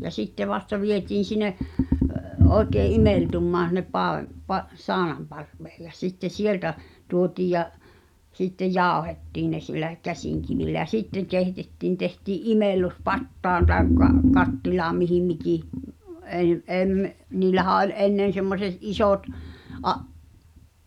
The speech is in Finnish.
ja sitten vasta vietiin sinne oikein imeltymään sinne -- saunanparvelle ja sitten sieltä tuotiin ja sitten jauhettiin ne sillä käsinkivillä ja sitten keitettiin tehtiin imellys pataan tai kattilaan mihin mikin -- niillähän oli ennen semmoiset isot -